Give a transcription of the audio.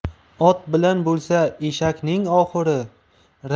ot bilan bo'lsa eshakning oxuri